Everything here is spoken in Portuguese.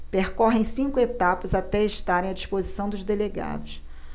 percorrem cinco etapas até estarem à disposição dos delegados